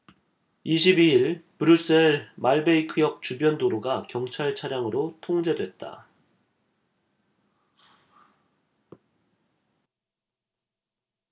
이십 이 일 브뤼셀 말베이크역 주변 도로가 경찰 차량으로 통제됐다